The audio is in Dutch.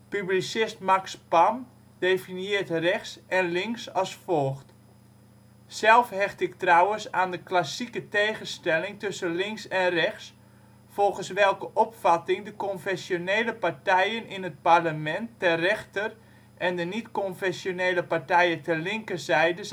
Publicist Max Pam definieert rechts (en links) als volgt: " Zelf hecht ik trouwens aan de klassieke tegenstelling tussen links en rechts, volgens welke opvatting de confessionele partijen in het parlement ter rechter en de niet-confessionele partijen ter linker zijde